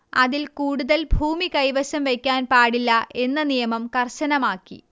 അതിൽ കൂടുതൽ ഭൂമി കൈവശം വെക്കാൻ പാടില്ല എന്ന നിയമം കർശനമാക്കി